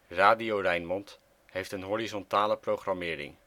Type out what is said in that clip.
Radio Rijnmond heeft een horizontale programmering